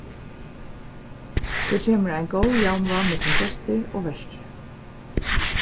so kemur ein góð javnvág millum gestir og vertir